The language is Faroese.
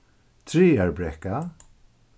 traðarbrekka